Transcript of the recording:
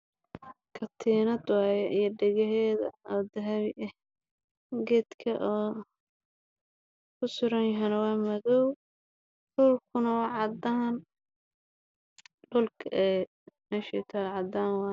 Waa ka tiimad iyo dhegeheeda oo dahabi ah waxayna sugan yihiin meel madow ah waxaana ka sii dambeeyay dil bacdaan ah